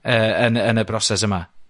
yy yn y yn y broses yma?